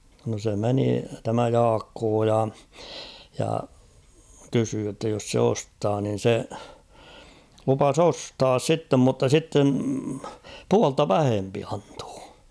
no se meni tämä Jaakko ja ja kysyi jotta jos se ostaa niin se lupasi ostaa sitten mutta sitten puolta vähempi antaa